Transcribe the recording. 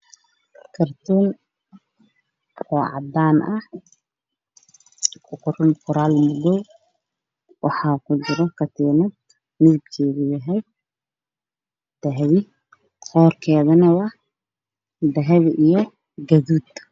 Makirtan caddaan ah oo ku jira katiinad dahabi ah qoorteedu waa gaduud